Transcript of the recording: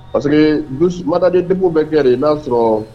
Parce que madaden den bɛɛ kɛ i y'a sɔrɔ